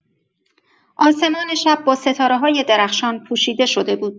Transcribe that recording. آسمان شب با ستاره‌های درخشان پوشیده شده بود.